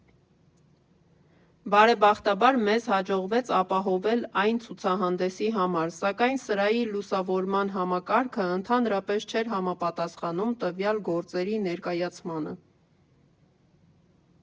Բարեբախտաբար, մեզ հաջողվեց ապահովել այն ցուցահանդեսի համար, սակայն սրահի լուսավորման համակարգը ընդհանրապես չէր համապատասխանում տվյալ գործերի ներկայացմանը։